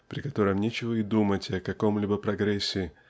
при котором нечего и думать о каком-либо прогрессе